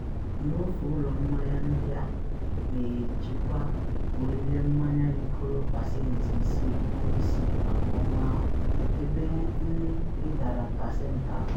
N’ofe ụlọ mmanya ndị a na ejikwa ọrịre mmanya rịgoro pasentị 6.6 maka ọnwa ahụ, ebe nri rịdara pasenti atọ.”